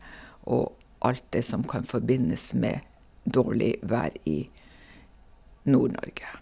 Og alt det som kan forbindes med dårlig vær i Nord-Norge.